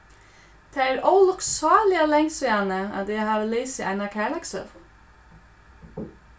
tað er ólukksáliga langt síðani at eg havi lisið eina kærleikssøgu